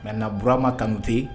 Mɛ na bura ma kanute